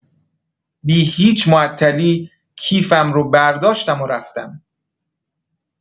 بی‌هیچ معطلی کیفم رو برداشتم و رفتم.